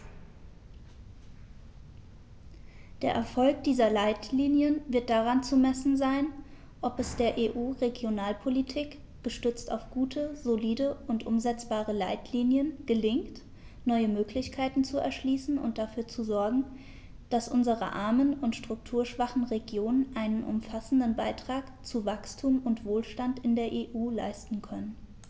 Der Erfolg dieser Leitlinien wird daran zu messen sein, ob es der EU-Regionalpolitik, gestützt auf gute, solide und umsetzbare Leitlinien, gelingt, neue Möglichkeiten zu erschließen und dafür zu sorgen, dass unsere armen und strukturschwachen Regionen einen umfassenden Beitrag zu Wachstum und Wohlstand in der EU leisten können.